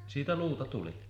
siitä luuta tuli